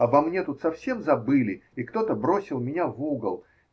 Обо мне тут совсем забыли, и кто-то бросил меня в угол.